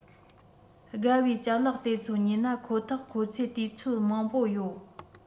དགའ བའི ཅ ལག དེ ཚོ ཉོས ན ཁོ ཐག ཁོ ཚོས དུས ཚོད མང པོ ཡོད